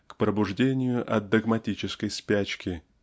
к пробуждению от догматической спячки